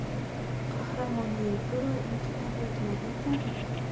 qahramoney bir oy inqillab yotmagin tag'in